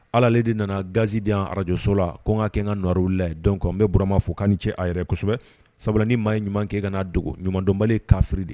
Ala ale de nana ganalidenya arajso la kokan ka kɛ n ka nɔraww la dɔn n bɛ burama fɔkan ni cɛ a yɛrɛ kosɛbɛ saba ni maa ye ɲuman kɛ ka'a dogo ɲumandɔnbali kaafiri de